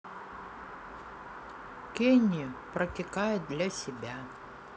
kenny протекает для себя